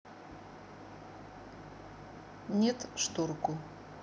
нет шторку